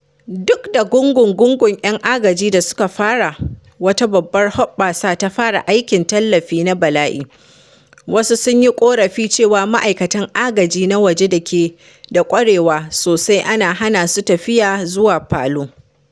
Duk da gungu-gungun ‘yan agaji da suka fara wata babbar hoɓɓasa ta fara aikin tallafi na bala’i, wasu sun yi ƙorafi cewa ma’aikatan agaji na waje da ke da ƙwarewa sosai ana hana su tafiya zuwa Palu.